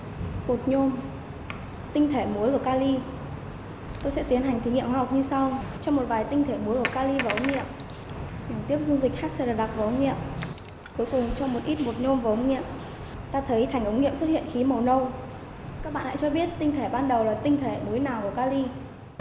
bột nhôm tinh thể muối của ca li tôi sẽ tiến hành thí nghiệm hóa học như sau cho một vài tinh thể muối của ca li vào ống nghiệm tiếp dung dịch hát sê lờ đặc vào ống nghiệm cuối cùng cho một ít bột nhôm vào ống nghiệm ta thấy thành ống nghiệm xuất hiện khí màu nâu các bạn hãy cho biết tinh thể ban đầu là tinh thể muối nào của ca li